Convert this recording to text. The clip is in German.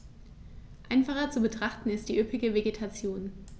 Einfacher zu betrachten ist die üppige Vegetation.